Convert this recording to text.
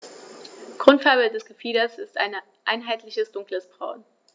Grundfarbe des Gefieders ist ein einheitliches dunkles Braun.